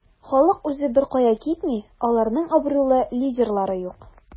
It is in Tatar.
Халык үзе беркая китми, аларның абруйлы лидерлары юк.